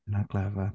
Isn't that clever?